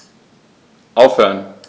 Aufhören.